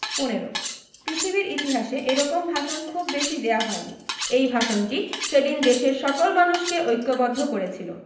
১৫ পৃথিবীর ইতিহাসে এরকম ভাষণ খুব বেশি দেয়া হয় নি এই ভাষণটি সেদিন দেশের সকল মানুষকে ঐক্যবদ্ধ করেছিল